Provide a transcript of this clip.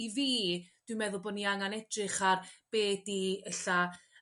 I fi dw i'n meddwl bod ni angan edrych ar be 'di ella